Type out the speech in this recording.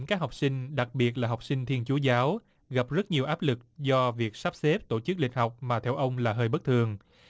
các học sinh đặc biệt là học sinh thiên chúa giáo gặp rất nhiều áp lực do việc sắp xếp tổ chức lịch học mà theo ông là hơi bất thường